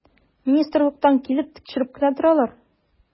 Министрлыктан килеп тикшереп кенә торалар.